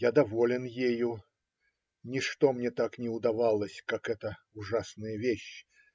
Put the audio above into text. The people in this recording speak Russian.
Я доволен ею; ничто мне так не удавалось, как эта ужасная вещь.